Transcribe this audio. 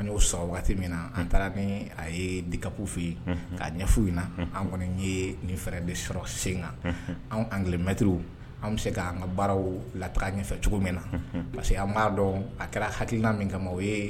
An y'o sɔrɔ waati min na, an taara ni a ye D.C A P fɛ yen k'a ɲɛfɔ o yɛ na, anw kɔni ye nin fɛɛrɛ in sɔrɔ sen kan anw Anglais maitres an bɛ se k'an ka baaraw lataga ɲɛ fɛ cogo min na parce que an b'a dɔn a kɛra hakilila min kama o ye